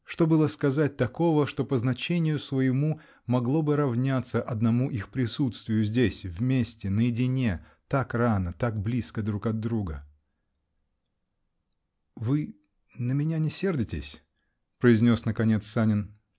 Что было сказать такого, что, по значению своему, могло бы равняться одному их присутствию здесь, вместе, наедине, так рано, так близко друг от друга? -- Вы. на меня не сердитесь? -- произнес наконец Санин.